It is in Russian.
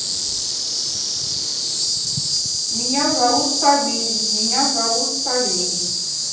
меня зовут савелий меня зовут савелий